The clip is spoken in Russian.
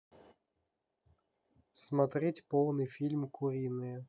смотреть полный фильм куриные